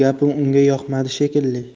gapim unga yoqmadi shekilli